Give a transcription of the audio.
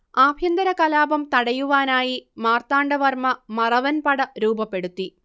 ആഭ്യന്തര കലാപം തടയുവാനായി മാർത്താണ്ഡ വർമ മറവൻ പട രൂപപ്പെടുത്തി